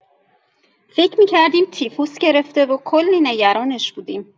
فکر می‌کردیم تیفوس گرفته و کلی نگرانش بودیم.